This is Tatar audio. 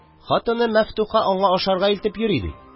– хатыны мәфтуха аңа ашарга илтеп йөри ди...